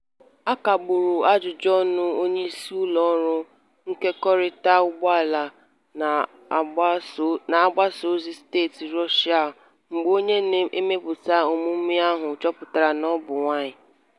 A kagburu ajụjụọnụ onyeisi ụlọọrụ nkekọrịta ụgbọala na mgbasaozi steeti Russia mgbe onye na-emepụta emume ahụ chọpụtara na ọ bụ nwaanyị.